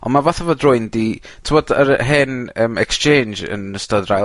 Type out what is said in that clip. on' ma' fatha fod rywun 'di, t'mod yr hen yym exchange yn ystod yr ail